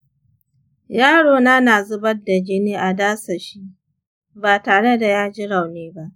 yarona na zubar da jini a dasashi ba tare da ya ji rauni ba.